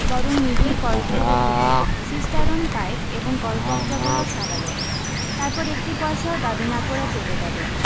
বরং নিজই কলঘরে ঢুকে সিষ্টারন পাইপ এবং কলকব্জাগুলো সারালো তারপর একটি পয়সাও দাবি না করে চলে গেলো